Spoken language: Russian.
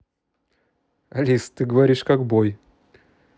алиса ты горишь как boy